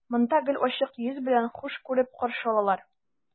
Монда гел ачык йөз белән, хуш күреп каршы алалар.